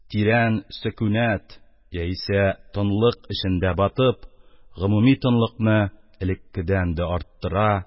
Тирән сөкүнәт яисә тынлык эчендә батып, гомуми тынлыкны элеккедән дә арттыра,